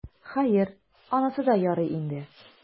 Хәер, анысы да ярый инде.